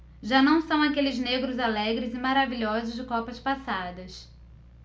já não são aqueles negros alegres e maravilhosos de copas passadas